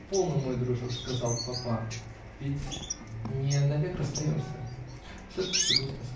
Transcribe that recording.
-- Полно, мой дружок, -- сказал папа, -- ведь не навек расстаемся. -- Все-таки грустно!